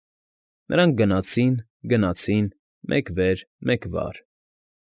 Նրանք գնացին, գնացին, մեկ վեր, մեկ վար։